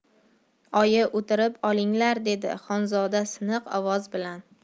oyi o'tirib olinglar dedi xonzoda siniq ovoz bilan